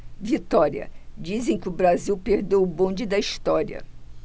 vitória dizem que o brasil perdeu o bonde da história